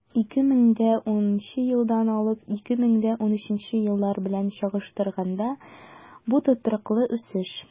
2010-2013 еллар белән чагыштырганда, бу тотрыклы үсеш.